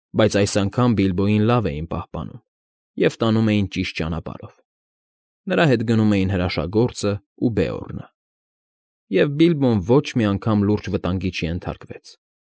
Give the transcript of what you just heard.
Բայց այս անգամ Բիլբոն ոչ մի անգամ լուրջ վտանգի չենթարկվեց։